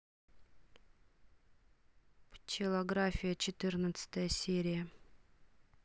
пчелография четырнадцатая серия